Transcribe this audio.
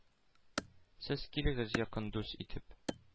Сез килегез, якын дус итеп,